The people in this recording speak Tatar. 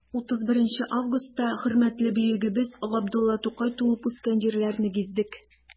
31 августта хөрмәтле бөегебез габдулла тукай туып үскән җирләрне гиздек.